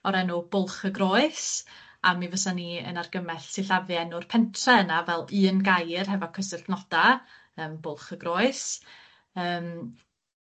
o'r enw Bwlch y Groes a mi fysa ni yn argymell sillafu enw'r pentre yna fel un gair hefo cysylltnoda yym Bwlch-y-Groes yym